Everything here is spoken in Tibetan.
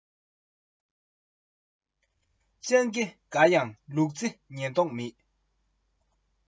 ཤིང བཟོ མཁས ཀྱང ལྷ བྲིས ཡོང མདོག མེད